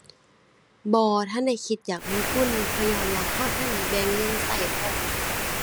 บ่ทันได้คิดอยากลงทุน เพราะญ้อนว่าเราทันได้แบ่งเงินเราพออยู่